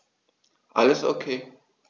Alles OK.